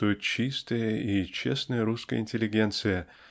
что чистая и честная русская интеллигенция